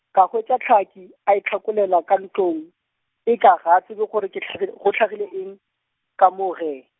ka hwetša Tlhaka, a ithakolela ka ntlong, e ka ga tsebe gore ke hlagile go hlagile eng, ka moo gee.